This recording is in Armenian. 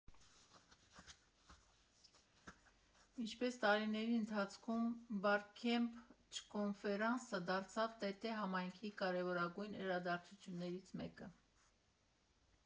Ինչպես տարիների ընթացքում Բարքեմփ չկոնֆերանսը դարձավ ՏՏ֊համայնքի կարևորագույն իրադարձություններից մեկը։